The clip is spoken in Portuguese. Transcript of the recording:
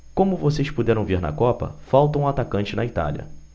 como vocês puderam ver na copa faltam atacantes na itália